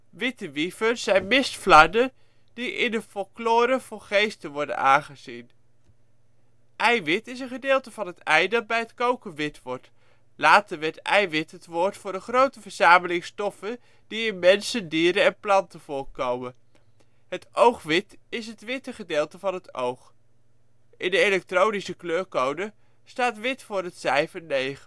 Witte wieven zijn mistflarden die in de folklore voor geesten worden aangezien. Eiwit is dat gedeelte van het ei, dat bij het koken wit wordt. Later werd eiwit het woord voor een grote verzameling stoffen die in mensen, dieren en planten voorkomen. Het oogwit is het witte gedeelte van het oog. In de elektronische kleurcode staat wit voor het cijfer 9.